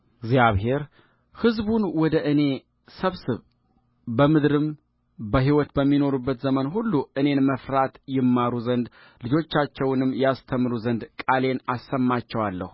እግዚአብሔር ሕዝቡን ወደ እኔ ሰብስብ በምድርም በሕይወት በሚኖሩበት ዘመን ሁሉ እኔን መፍራት ይማሩ ዘንድ ልጆቻቸውንም ያስተምሩ ዘንድ ቃሌን አሰማቸዋለሁ